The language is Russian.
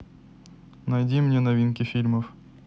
найди мне новинки фильмов